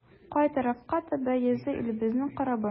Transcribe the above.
Кай тарафка таба йөзә илебезнең корабы?